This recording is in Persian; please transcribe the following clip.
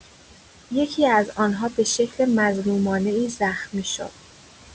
یکی‌از آنها به شکل مظلومانه‌ای زخمی شد.